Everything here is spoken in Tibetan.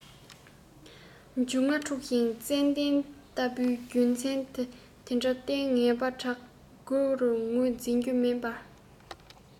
འབྱུང ལྔ འཁྲུགས ཤིང བཙན དུག ལྟ བུའི རྒྱུ མཚན དེ འདྲར བརྟེན ངན པ གྲངས དགུ རུ ངོས འཛིན རྒྱུ མིན པར